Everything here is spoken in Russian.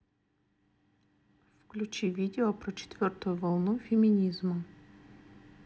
включи видео про четвертую волну феминизма